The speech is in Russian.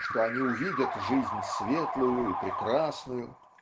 что они УВИДЯТ жизнь светлую и прекрасную